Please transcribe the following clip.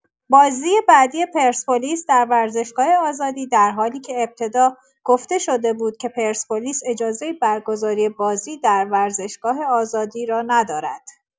بازی بعدی پرسپولیس در ورزشگاه آزادی در حالی که ابتدا گفته‌شده بود که پرسپولیس اجازه برگزاری بازی در ورزشگاه آزادی را ندارد!